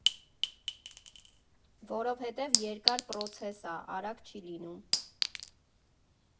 Որովհետև երկար պրոցես ա, արագ չի լինում։